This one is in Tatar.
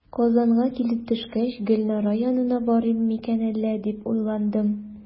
Казанга килеп төшкәч, "Гөлнара янына барыйм микән әллә?", дип уйландым.